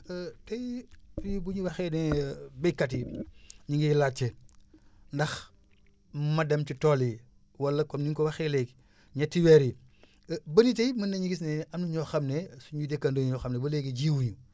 tey tey bu énu waxee ne baykat yi ñi ngi laajte ndax ma dem ci tool yi wala kon ni nga ko waxee léegi ñetti weer yi ba nii tey mën nañu gis ne am ñoo xam ne suñu dëkkandoo ñoo xam ne ba léegi jiwu ñu